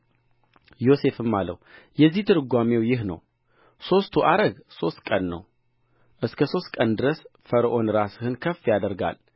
ዮሴፍም አለው የዚህ ትርጓሜው ይህ ነው ሦስቱ አረግ ሦስት ቀን ነው እስከ ሦስት ቀን ድረስ ፈርዖን ራስህን ከፍ ያደርጋል